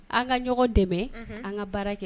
An ka ɲɔgɔn dɛmɛ an ka baara kɛ